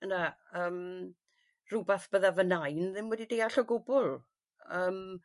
Ynde? Yym rhwbath bydda fy nain ddim wedi deall o gwbl yym.